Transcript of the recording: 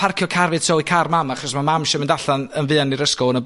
parcio car fi tu ôl i car mam, achos ma' mam isio mynd allan yn fuan i'r ysgol yn y